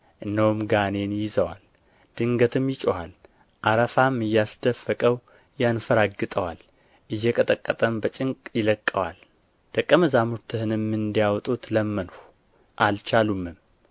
እነሆም ጋኔን ይይዘዋል ድንገትም ይጮኻል አረፋም እያስደፈቀው ያንፈራግጠዋል እየቀጠቀጠም በጭንቅ ይለቀዋል ደቀ መዛሙርትህንም እንዲያወጡት ለመንሁ አልቻሉምም